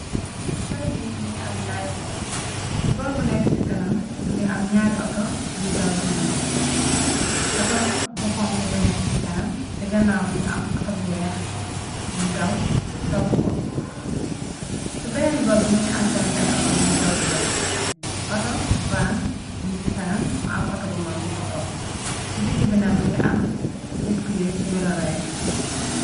Tali bi mi ngi am ñaari boor, ci boor bu nekk ci kanam mi ngi am ñaari auto yiy daw di ñoom. Auto bu xonk bu nekk ci kanam, ci ganaaw mi ngi am auto bu weex bu daw topp ko, ci beneen boor bi mi ngi am tamit ay auto yiy daw di dem. Auto vann mu ci kanam, mu am auto bu mag bu ko topp, ci digg bina mi ngi am nit ku yég ci welo ride.